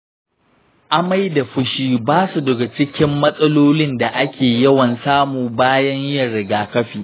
amai da fushi ba su daga cikin matsalolin da ake yawan samu bayan yin rigakafi.